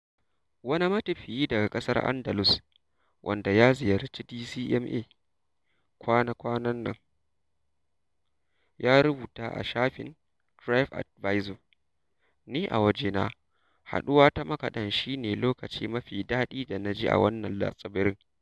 Wani matafiyi daga ƙasar Andalus, wanda ya ziyarci DCMA kwana-kwanan nan, ya rubuta a shafin TripAdvisor: "Ni a wajena, haɗuwa ta makaɗan shi ne lokaci mafi daɗi da na ji a wannan tsibirin".